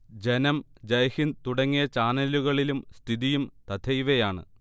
ജനം, ജയ്ഹിന്ദ് തുടങ്ങിയ ചാനലുകളിലും സ്ഥിതിയും തഥൈവയാണ്